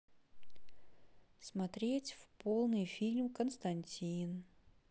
смотреть полный фильм константин